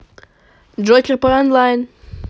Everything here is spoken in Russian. джокер про онлайн